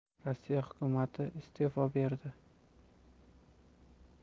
rossiya hukumati iste'fo berdi